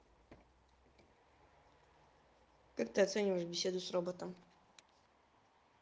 как ты оцениваешь беседу с роботом